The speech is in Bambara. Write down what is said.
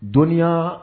Dɔɔnin